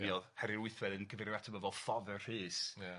mi o'dd Harri'r Wythfed yn cyfeirio ato fo fel Father Rhys... Ia...